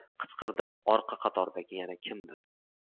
qichqirdi orqa qatordan yana kimdir